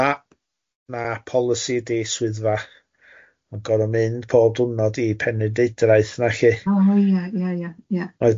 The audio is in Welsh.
Na, na, policy ydi swyddfa. Ma'n gorfod mynd pob diwrnod i Penrhydeudraeth na lly. O ie ie ie ie.